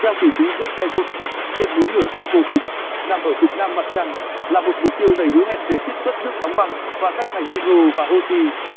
theo tỷ phú jeff bezos miệng núi lửa shackleton nằm ở cực nam mặt trăng là một mục tiêu đầy hứa hẹn để chiết xuất nước đóng băng và tách thành hydro và oxy